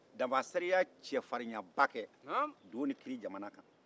dafasɛri ye cɛfarinyaba kɛ do ni kiri jamana kan